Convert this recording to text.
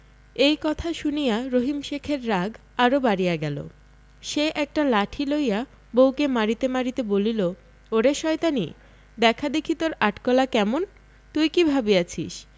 এই কথা শুনিয়া রহিম শেখের রাগ আরও বাড়িয়া গেল সে একটা লাঠি লইয়া বউকে মারিতে মারিতে বলিল ওরে শয়তানী দেখা দেখি তোর আট কলা কেমন তুই কি ভাবিয়াছিস